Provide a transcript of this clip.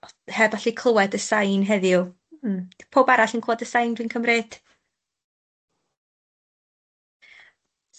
Heb allu clywed y sain heddiw mm powb arall yn clwad y sain dwi'n cymryd?